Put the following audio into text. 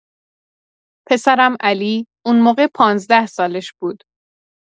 پسرم، علی، اون موقع پانزده سالش بود.